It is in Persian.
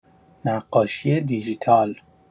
نقاشی دیجیتال